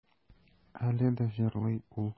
Әле дә җырлый ул.